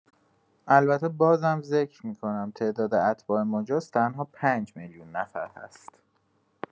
البته باز هم ذکر می‌کنم تعداد اتباع مجاز تنها ۵ میلیون نفر هست.